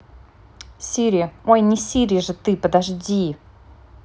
сири ой не сири же ты подожди